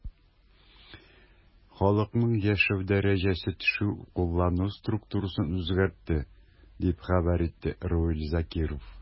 Халыкның яшәү дәрәҗәсе төшү куллану структурасын үзгәртте, дип хәбәр итте Равиль Зарипов.